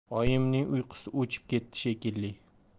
oyimning uyqusi o'chib ketdi shekilli